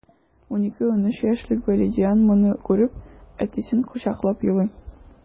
12-13 яшьлек вәлидиан моны күреп, әтисен кочаклап елый...